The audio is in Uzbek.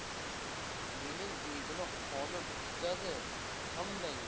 mening begunoh qonim tutadi hammangni